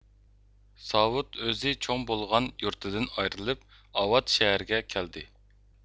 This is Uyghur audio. ساۋۇت ئۆزى چوڭ بولغان يۇرتىدىن ئايرىلىپ ئاۋات شەھەرگە كەلدى